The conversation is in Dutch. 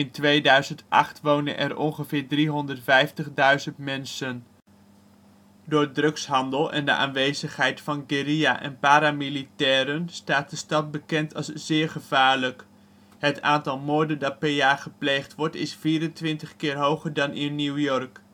2008) wonen er ongeveer 350.000 mensen. Door drugs handel en de aanwezigheid van guerrilla en paramilitairen staat de stad bekend als zeer gevaarlijk. Het aantal moorden dat per jaar gepleegd wordt is 24 keer hoger dan in New York